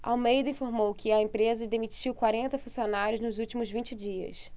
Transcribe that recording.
almeida informou que a empresa demitiu quarenta funcionários nos últimos vinte dias